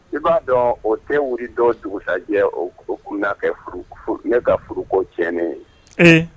I b'a dɔn o tɛ w dɔ dugu lajɛjɛ kuna kɛ ne ka furuko ti ye